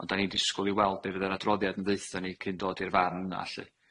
Ond 'dan ni'n disgwl i weld be' fydd yr adroddiad yn ddeutho ni cyn dod i'r farn yna lly.